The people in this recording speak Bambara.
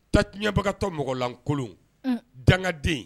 Tacɲɛbagatɔ mɔgɔlankolon dangaden